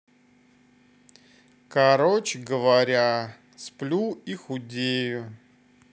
короче говоря сплю и худею